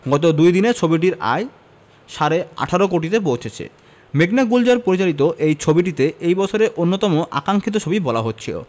গত দুই দিনে ছবিটির আয় সাড়ে ১৮ কোটিতে পৌঁছেছে মেঘনা গুলজার পরিচালিত এই ছবিটিকে এই বছরের অন্যতম আকাঙ্খিত ছবি বলা হচ্ছিল